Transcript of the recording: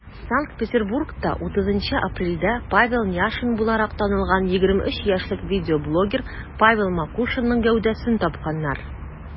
Санкт-Петербургта 30 апрельдә Павел Няшин буларак танылган 23 яшьлек видеоблогер Павел Макушинның гәүдәсен тапканнар.